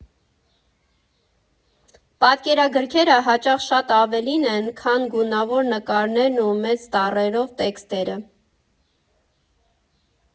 Պատկերագրքերը հաճախ շատ ավելին են քան գունավոր նկարներն ու մեծ տառերով տեքստերը։